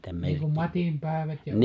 niin kuin matinpäivät ja